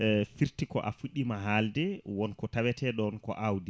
fiirti ko a fuɗɗima haalde wonko taweto ɗon ko awdi